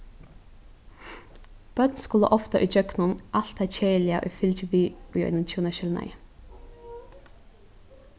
børn skulu ofta ígjøgnum alt tað keðiliga ið fylgir við í einum hjúnaskilnaði